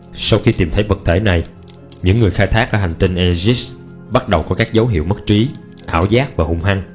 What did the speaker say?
sau khi tìm thấy vật thể này những người khai thác ở hành tinh aegis bắt đầu có các dấu hiệu mất trí ảo giác và hung hăng